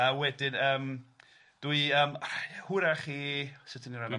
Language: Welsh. A wedyn yym dwi yym hwyrach i.. Sut ydyn ni am amser?